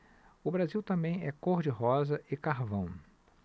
o brasil também é cor de rosa e carvão